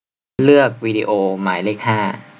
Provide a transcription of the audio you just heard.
เลือกวิดีโอหมายเลขห้า